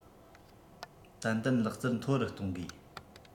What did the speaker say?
ཏན ཏན ལག རྩལ མཐོ རུ གཏོང དགོས